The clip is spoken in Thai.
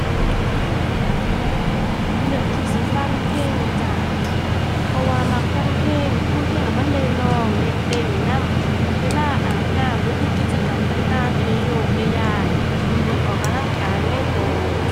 เลือกที่สิฟังเพลงจ้า เพราะว่ามักฟังเพลง ฟังเพลงแล้วมันได้ร้อง ได้เต้นนำ เวลาอาบน้ำหรือเฮ็ดกิจกรรมต่างต่างก็ได้โยกได้ย้าย ได้เหมือนออกกำลังกายไปในก็